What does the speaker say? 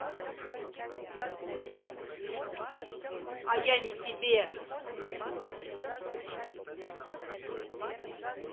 а я не тебе